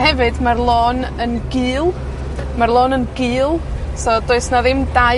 A hefyd, ma'r lôn yn gul. Ma'r lôn yn gul, so does 'na ddim dau